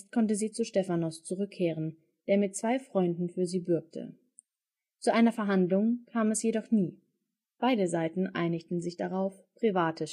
konnte sie zu Stephanos zurückkehren, der mit zwei Freunden für sie bürgte; zu einer Verhandlung kam es jedoch nie. Beide Seiten einigten sich darauf, private